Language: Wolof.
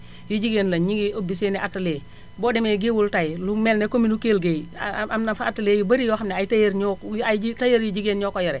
yu jigéen lañ ñu ngi ubbi seen i atelier boo demee Géoul tay lu mel ne commune Kelle Gueye am na fa atelier yu bari yoo xam ne ay tailleur ñoo yu ji tailleur yu jigéen ñoo ko yore